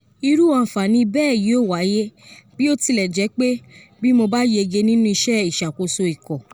Irú àǹfààní bẹ́ẹ̀ yóò wáyé, bí ó tilẹ̀ jẹ́ pé, bí mo bá yegé nínú iṣẹ́ ìṣàkóso ikọ̀ ’’